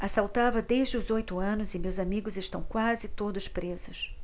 assaltava desde os oito anos e meus amigos estão quase todos presos